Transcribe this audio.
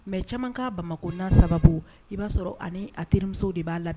Mɛ caman ka bamakɔna sababu i b'a sɔrɔ ani terimuso de b'a la